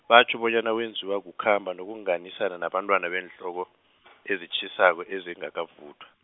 batjho bonyana wenziwa kukhamba nokunganisana nabantwana beenhloko, ezitjhisako ezingakavuthwa.